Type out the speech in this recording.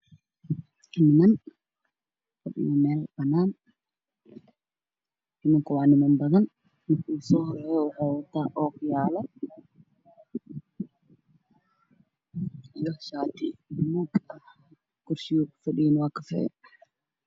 Niman meel banan ninmanku waa ninam badan kan u soo horeeyo ookiyaalo io shaati baluug ah kursiga uu ku fadhiyo waa kafee